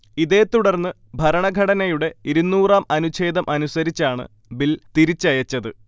ഇതേ തുടർന്നു ഭരണഘടനയുടെ ഇരുന്നൂറാം അനുഛേദം അനുസരിച്ചാണ് ബില്ല് തിരിച്ചയച്ചത്